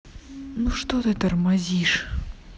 ну что ты тормозишь